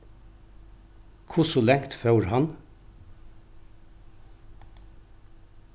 hvussu langt fór hann